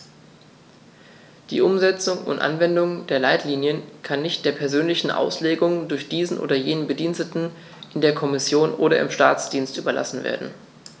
Die Umsetzung und Anwendung der Leitlinien kann nicht der persönlichen Auslegung durch diesen oder jenen Bediensteten in der Kommission oder im Staatsdienst überlassen werden.